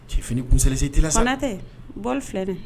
Cɛf kunsɛsen tɛla san tɛ bɔ filɛ de